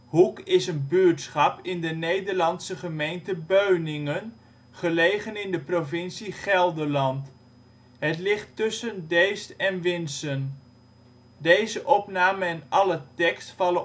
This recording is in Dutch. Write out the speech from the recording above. Hoek is een buurtschap in de Nederlandse gemeente Beuningen, gelegen in de provincie Gelderland. Het ligt tussen Deest en Winssen. Plaatsen in de gemeente Beuningen Dorpen: Beuningen · Ewijk · Weurt · Winssen Buurtschappen: Hoek · Hoeve Gelderland: Steden en dorpen in Gelderland Nederland: Provincies · Gemeenten 51° 53 ' NB, 5° 41 ' OL